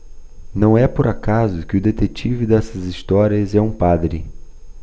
não é por acaso que o detetive dessas histórias é um padre